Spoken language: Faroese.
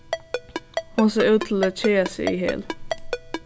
hon sá út til at keða seg í hel